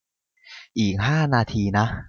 อีกห้านาทีนะ